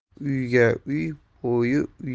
uyga uy bo'yi